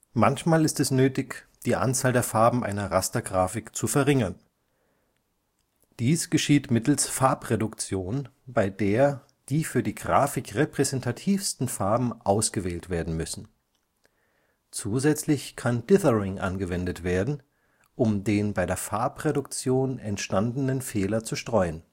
Manchmal ist es nötig, die Anzahl der Farben einer Rastergrafik zu verringern. Dies geschieht mittels Farbreduktion, bei der die für die Grafik repräsentativsten Farben ausgewählt werden müssen. Zusätzlich kann Dithering angewandt werden, um den bei der Farbreduktion entstandenen Fehler zu streuen